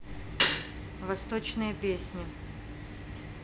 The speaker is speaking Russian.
восточные песни